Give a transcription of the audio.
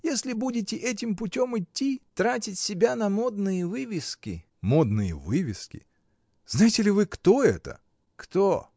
— Если будете этим путем идти, тратить себя на модные вывески. — Модные вывески! Знаете ли вы, кто это? — Кто?